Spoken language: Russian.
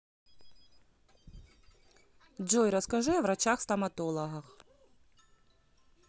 джой расскажи о врачах стоматологах